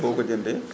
foo ko jëndee